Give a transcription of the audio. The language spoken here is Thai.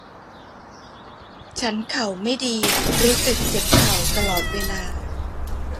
ฉันเข่าไม่ดีรู้สึกเจ็บเข่าตลอดเวลา